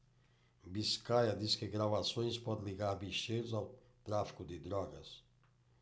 biscaia diz que gravações podem ligar bicheiros ao tráfico de drogas